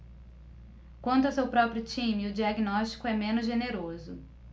quanto ao seu próprio time o diagnóstico é menos generoso